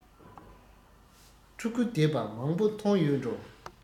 ཕྲུ གུ བསྡད པ མང པོ མཐོང ཡོད འགྲོ